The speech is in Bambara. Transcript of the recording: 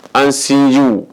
An sinju